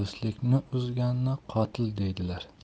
do'stlikni uzganni qotil deydilar